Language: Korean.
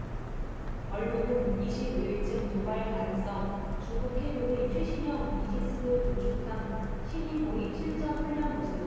언론은 이십 오 일쯤 도발 가능성중국 해군의 최신형 이지스 구축함 시닝호의 실전훈련 모습